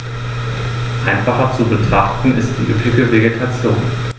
Einfacher zu betrachten ist die üppige Vegetation.